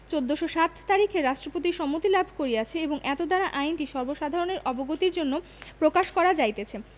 ১৪০৭ তারিখে রাষ্ট্রপতির সম্মতি লাভ করিয়াছে এবং এতদ্বারা আইনটি সর্বসাধারণের অবগতির জন্য প্রকাশ করা যাইতেছে